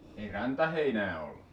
ei rantaheinää ollut